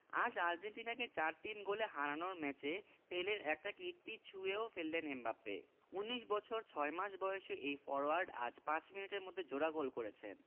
আজ আর্জেন্টিনাকে ৪ ৩ গোলে হারানোর ম্যাচে পেলের একটা কীর্তিও ছুঁয়ে ফেললেন এমবাপ্পে ১৯ বছর ৬ মাস বয়সী এই ফরোয়ার্ড আজ ৫ মিনিটের মধ্যে জোড়া গোল করেছে